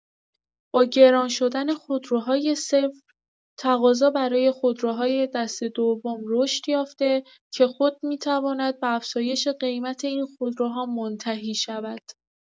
با گران شدن خودروهای صفر، تقاضا برای خودروهای دست‌دوم رشد یافته که خود می‌تواند به افزایش قیمت این خودروها منتهی شود.